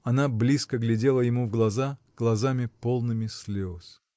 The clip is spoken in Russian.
Она близко глядела ему в глаза глазами, полными слез.